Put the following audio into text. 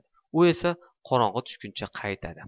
u esa qorong'i tushguncha qaytadi